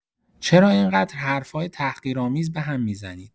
چرا اینقدر حرفای تحقیرآمیز به هم می‌زنید؟